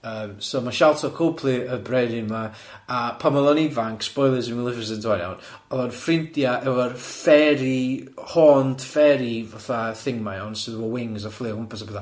Yym so ma' Sharlto Copley, y brenin 'ma, a pan o'dd o'n ifanc, spoilers i Maleficent ŵan iawn, o'dd o'n ffrindia efo'r fairy haunt fairy fatha thing 'ma iawn, sydd efo wings a fflïo o gwmpas a petha.